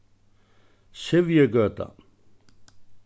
sivjugøta